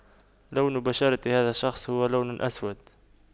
لون بشرة هذا الشخص هو لون أسود